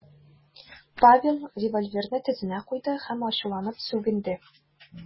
Павел револьверны тезенә куйды һәм ачуланып сүгенде .